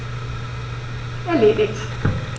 Erledigt.